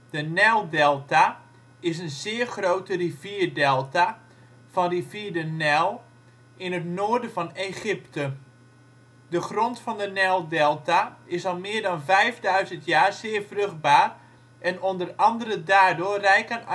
De Nijldelta (Arabisch: دلتا النيل) is de zeer grote rivierdelta van rivier de Nijl in het noorden van Egypte. De grond van de Nijldelta is al meer dan vijfduizend jaar zeer vruchtbaar en onder andere daardoor rijk aan archeologische